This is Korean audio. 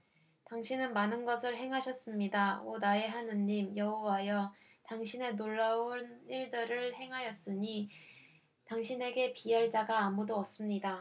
당신은 많은 것을 행하셨습니다 오 나의 하느님 여호와여 당신의 놀라운 일들 을 행하셨으니 당신에게 비할 자가 아무도 없습니다